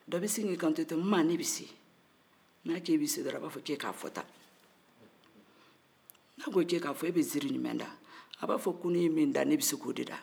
dɔ bɛ sin k'i kan to ten nma ne bɛ se n'a k'i bɛ se dɔrɔn a b'a fɔ k'i k'a fɔ tan n'a ko k'e k'a fɔ e bɛ ziiri jumɛ da a b'a fɔ ko n'i ye min da ne bɛ se k'o de da